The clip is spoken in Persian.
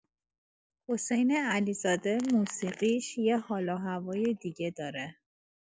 حسین علیزاده موسیقیش یه حال‌وهوای دیگه داره.